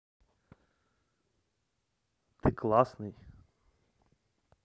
ты классный